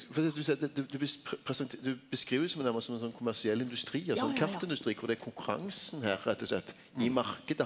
fordi at du seier du beskriv det jo nærmast som ein sånn kommersiell industri altså ein kartindustri kor det er konkurransen her rett og slett i marknaden.